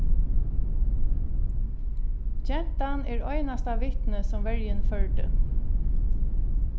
gentan er einasta vitnið sum verjin førdi